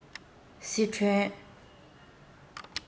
སི ཁྲོན